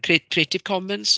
Crea- Creative Commons?